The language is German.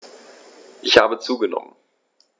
Ich habe zugenommen.